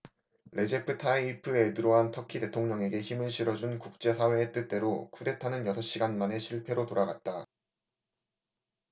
레제프 타이이프 에르도안 터키 대통령에게 힘을 실어준 국제사회의 뜻대로 쿠데타는 여섯 시간 만에 실패로 돌아갔다